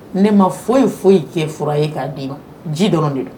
Ne ma foyi ye foyi kɛ fura ye k'a d'i ji dɔrɔn de do